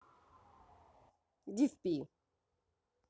иди в пи